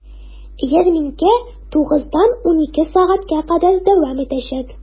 Ярминкә 9 дан 12 сәгатькә кадәр дәвам итәчәк.